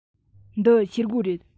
འདི ཤེལ སྒོ རེད